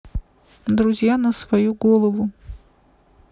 друзья на свою голову